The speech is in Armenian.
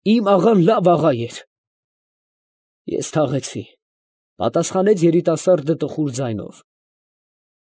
Իմ աղան լավ աղա էր։ ֊ Ես թաղեցի, ֊ պատասխանեց երիտասարդը տխուր ձայնով։ ֊